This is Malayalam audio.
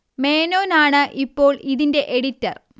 മേനോനാണ് ഇപ്പോൾ ഇതിന്റെ എഡിറ്റർ